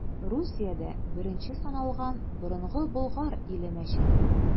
Русиядә беренче саналган Борынгы Болгар иле мәчете.